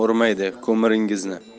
ham urmaydi ko'miringizni